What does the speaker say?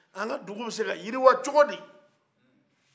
an ka dugu bɛ se ka yiriwa cogodi